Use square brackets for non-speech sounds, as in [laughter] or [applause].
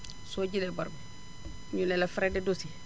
[smacks lips] soo jëlee bor bi ñu ne la frais de dossier